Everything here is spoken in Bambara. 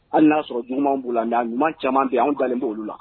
Hali y'a sɔrɔ ɲumanumaw b' la n'a ɲuman caman bɛ anw dalen' olu la